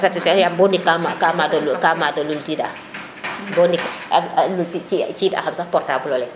a satifaire a yam bo ndik ka mada lul tida bo ndik lul ti ten ci id axam sax portable o lene